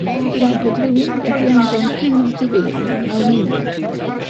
yy wel bod rywun wedi anfon pennod i fi mewn Almaeneg